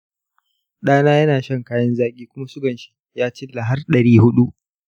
ɗana ya na shan kayan-zaƙi kuma sugan shi ya cilla har ɗari huɗu.